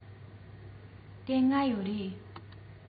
དེ སྔ ཡོད རེད